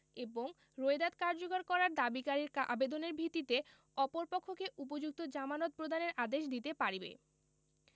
এবং রোয়েদাদ কার্যকর করার দাবীকারীর আবেদনের ভিত্তিতে অপর পক্ষকে উপযুক্ত জামানত প্রদানের আদেশ দিতে পারিবে